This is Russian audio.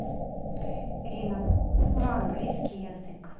ирина колосова английский язык